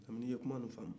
lamini i ye kuma famu